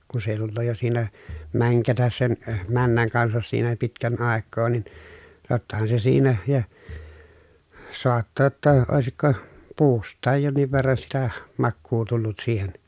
kun se jo tulee jo siinä mänkätä sen männän kanssa siinä jo pitkän aikaa niin tottahan se siinä ja saattaa jotta olisiko puustakin jonkin verran sitä makua tullut siihen